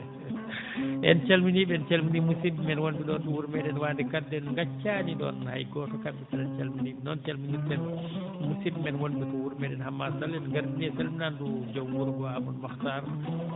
en calminii ɓe en calminii musidɓe men wonɓe ɗoo ɗo wuro meɗen Waande Ka en ngaccaani ɗoon hay gooto kamɓe kala en calminii ɓe noon calminirɗen musidɓe men won ɓe ɗo wuro meeɗen * en ngardinii e salminaandu e jom wuro ngoo Amadou Makhtar